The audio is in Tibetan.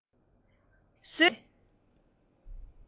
བཟོས གནང བ མ ཟད